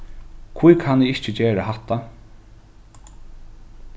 hví kann eg ikki gera hatta